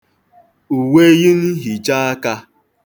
ùweyinhìchaakā